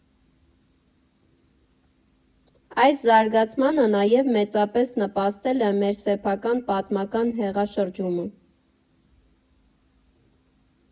Այս զարգացմանը նաև մեծապես նպաստել է մեր սեփական պատմական հեղաշրջումը.